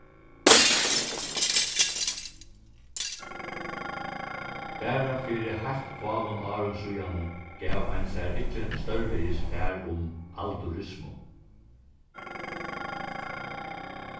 bara fyri heilt fáum árum síðani gav ein sær ikki stórvegis far um aldurismu